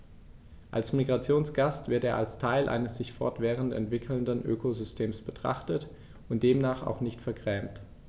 Als Migrationsgast wird er als Teil eines sich fortwährend entwickelnden Ökosystems betrachtet und demnach auch nicht vergrämt.